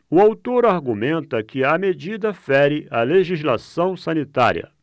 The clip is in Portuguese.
o autor argumenta que a medida fere a legislação sanitária